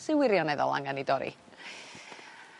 sy wirioneddol angen 'i dori.